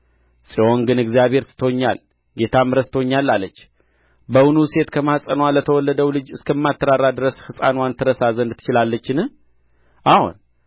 ጽዮን ግን እግዚአብሔር ትቶኛል ጌታም ረስቶኛል አለች በውኑ ሴት ከማኅፀንዋ ለተወለደው ልጅ እስከማትራራ ድረስ ሕፃንዋን ትረሳ ዘንድ ትችላለችን አዎን